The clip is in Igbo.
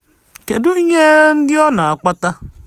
Kedu ihe ndị ọ na-akpata?